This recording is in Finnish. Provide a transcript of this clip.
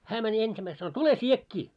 hän meni ensimmäisenä sanoi tule sinäkin